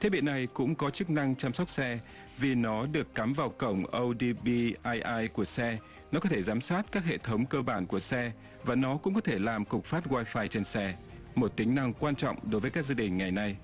thiết bị này cũng có chức năng chăm sóc xe vì nó được cắm vào cổng âu đi pi ai ai của xe nó có thể giám sát các hệ thống cơ bản của xe và nó cũng có thể làm cục phát oai phai trên xe một tính năng quan trọng đối với các gia đình ngày nay